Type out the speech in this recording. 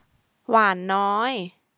หวานน้อย